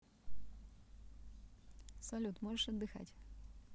салют можешь отдыхать